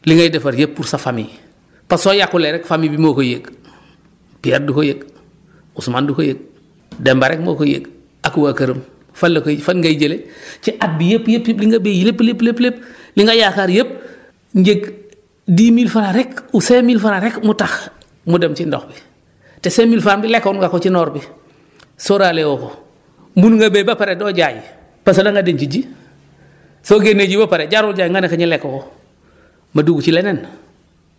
li ngay defar yëpp pour sa famille parce que soo yàqulee rek famille bi moo koy yëg Pierre du ko yëg Ousmane du ko yëg Demba rek moo koy yëg ak waa këram fan la koy fan ngay jëlee ci at bi yëpp yëpp yëpp li nga béy lépp lépp lépp lépp li nga yaakaar yëpp njëg dix mille franc rek ou cinq mille franc rek mu tax mu dem ci ndox bi te cinq mille franc bi lekkoon nga ko ci noor bi sóoraale woo ko mun nga béy ba pare doo jaayi parce que da nga denc ji soo génnee ji ba pare jarul jaay nga ne ko énu lekk ko ma dugg ci leneen